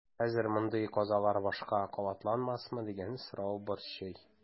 Хәзер мондый казалар башка кабатланмасмы дигән сорау борчый.